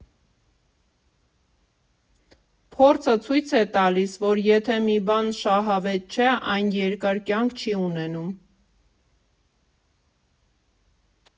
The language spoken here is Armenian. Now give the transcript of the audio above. Փորձը ցույց է տալիս, որ եթե մի բան շահավետ չէ, այն երկար կյանք չի ունենում։